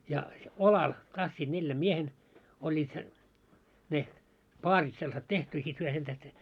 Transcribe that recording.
ja olalla tassivat neljän miehen - olivat se ne paarit sellaiset tehty ja sitten he sen tähden